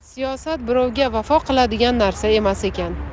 siyosat birovga vafo qiladigan narsa emas ekan